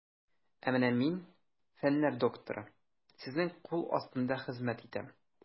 Ә менә мин, фәннәр докторы, сезнең кул астында хезмәт итәм.